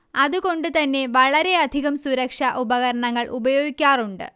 അതുകൊണ്ട് തന്നെ വളരെയധികം സുരക്ഷ ഉപകരണങ്ങൾ ഉപയോഗിക്കാറുണ്ട്